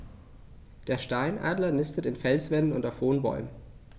Der Steinadler nistet in Felswänden und auf hohen Bäumen.